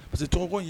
Parce que tɔgɔ